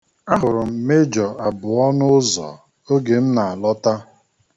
Ahụrụ m mejọ abụọ n'ụzọ oge m na-alọta